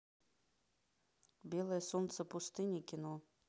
белое солнце пустыни кино